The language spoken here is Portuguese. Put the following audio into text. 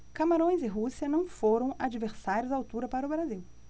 camarões e rússia não foram adversários à altura para o brasil